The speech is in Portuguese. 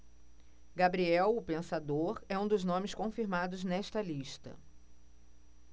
gabriel o pensador é um dos nomes confirmados nesta lista